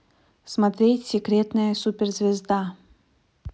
смотреть секретная суперзвезда